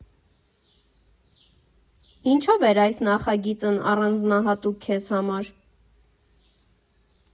Ինչո՞վ էր այս նախագիծն առանձնահատուկ քեզ համար։